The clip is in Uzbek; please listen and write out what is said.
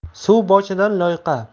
suv boshidan loyqa